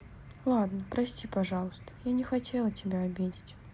ладно прости пожалуйста я не хотела тебя обидеть